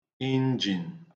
injìn